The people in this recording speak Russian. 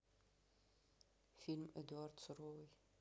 фильм эдуард суровый